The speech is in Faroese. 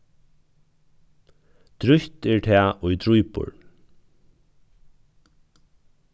drúgt er tað ið drýpur